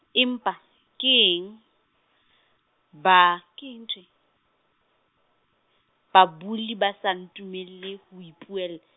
empa keng, Bha-, keng ntho e, Bhabula a sa ntumella ho ipuell-?